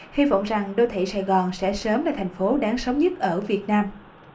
hy vọng rằng đô thị sài gòn sẽ sớm là thành phố đáng sống nhất ở việt nam